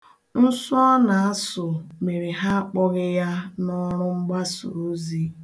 Nsụ ọ na-asụ mere ha akpọghị ya n'ọrụ mgbasaozi.